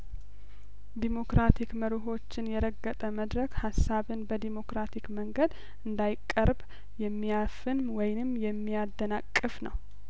ዴሞክራቲክ መርሆዎችን የረገጠ መድረክ ሀሳብን በዴሞክራቲክ መንገድ እንዳይቀርብ የሚያፍን ወይንም የሚያደናቅፍ ነው